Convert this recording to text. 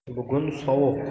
bugun sovuq